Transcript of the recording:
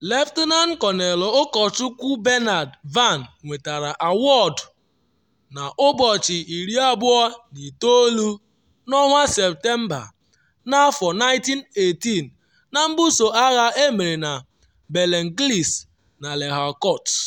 Lt Col Ụkọchukwu Bernard Vann nwetara awọdụ na 29, Septemba 1918 na mbuso agha emere na Bellenglise na Lehaucourt.